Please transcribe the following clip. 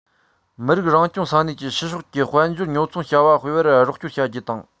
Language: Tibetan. མི རིགས རང སྐྱོང ས གནས ཀྱིས ཕྱི ཕྱོགས ཀྱི དཔལ འབྱོར ཉོ ཚོང བྱ བ སྤེལ བར རོགས སྐྱོར བྱ རྒྱུ དང